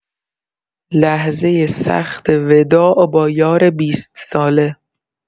لحظه سخت وداع با یار بیست ساله